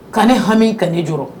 Ka ne hami ka ne jɔ